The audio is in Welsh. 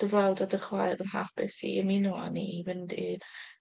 Dy frawd a dy chwaer yn hapus i ymuno â ni i fynd i'r ...